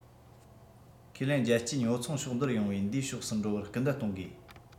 ཁས ལེན རྒྱལ སྤྱིའི ཉོ ཚོང ཕྱོགས འདིར ཡོང བའི འདིའི ཕྱོགས སུ འགྲོ བར སྐུལ འདེད གཏོང དགོས